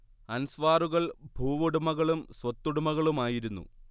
അൻസ്വാറുകൾ ഭൂവുടമകളും സ്വത്തുടമകളുമായിരുന്നു